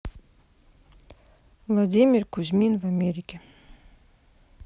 владимир кузьмин в америке